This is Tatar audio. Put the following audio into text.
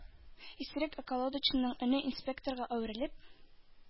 Исерек околодочныйның өне инспекторга әверелеп: